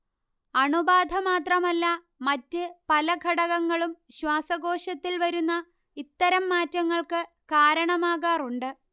അണുബാധ മാത്രമല്ല മറ്റ് പല ഘടകങ്ങളും ശ്വാസകോശത്തിൽ വരുന്ന ഇത്തരം മാറ്റങ്ങൾക്ക് കാരണമാകാറുണ്ട്